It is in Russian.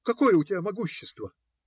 Какое у тебя могущество?